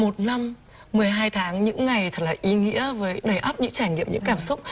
một năm mười hai tháng những ngày thật là ý nghĩa với đầy ắp những trải nghiệm những cảm xúc